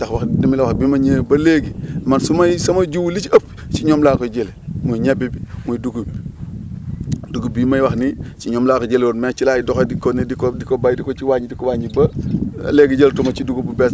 ndax wax da ma lay wax bi ma ñëwee ba léegi man su may sama jiwu li ci ëpp si ñoom laa koy jëlee muy ñebe bi muy dugub bi dugub bii may wax nii si ñoom laa ko jëlee woon mais ci laay doxee di continué di ko béy di ko ci wàññi di ko wàññi ba léegi jëlatuma ci dugub bu bees